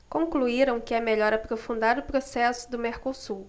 concluíram que é melhor aprofundar o processo do mercosul